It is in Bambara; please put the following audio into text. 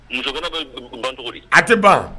Musokɔrɔba a tɛ ban